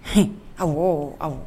Hun awɔ awɔ.